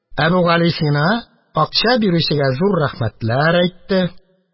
Әбүгалисина акча бирүчегә зур рәхмәтләр әйтте